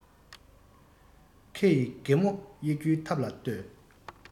ཁེ ཡི སྒོ མོ དབྱེ རྒྱུའི ཐབས ལ ལྟོས